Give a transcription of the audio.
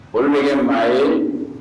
Olu be kɛ maa ye